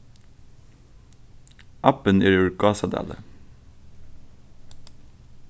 abbin er úr gásadali